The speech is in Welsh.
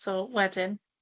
So wedyn...